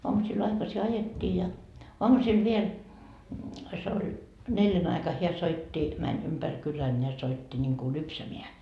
aamusilla aikaisin ajettiin ja aamusilla vielä se oli neljän aika hän soitti meni ympäri kylän ja soitti niin kuin lypsämään